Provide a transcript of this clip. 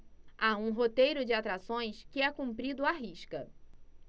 há um roteiro de atrações que é cumprido à risca